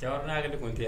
Cɛ n'a hakili kun tɛ